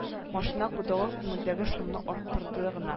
Машина гудогы күңелдәге шомны арттырды гына